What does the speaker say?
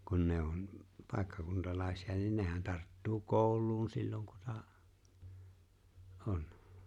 kun ne on paikkakuntalaisia niin nehän tarttuu kouluun silloin kun - on